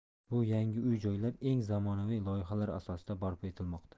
bu yangi uy joylar eng zamonaviy loyihalar asosida barpo etilmoqda